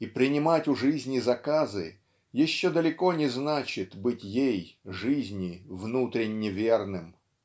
и принимать у жизни заказы еще далеко не значит быть ей. жизни, внутренне верным.